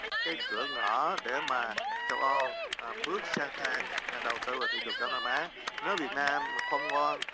cái cửa ngõ để mà châu âu ờ bước sang tang đầu tư vào thị trường đông nam á nếu việt nam mà khôn ngoan